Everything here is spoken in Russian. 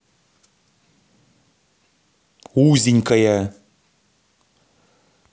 узенькая